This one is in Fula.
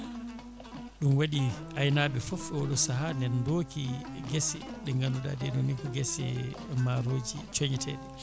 ɗum waɗi aynaɓe foof oɗo saaha nana dooki guese ɗe ganduɗa ɗe ɗo ni ko guese maaroji coñeteɗe